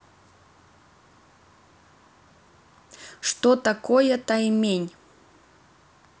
что такое таймень